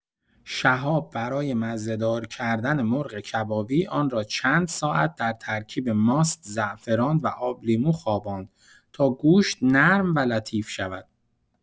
شهاب برای مزه‌دار کردن مرغ کبابی، آن را چند ساعت در ترکیب ماست، زعفران و آب‌لیمو خواباند تا گوشت نرم و لطیف شود.